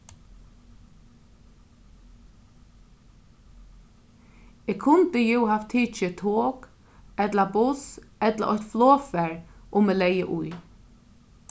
eg kundi jú havt tikið tok ella buss ella eitt flogfar um eg legði í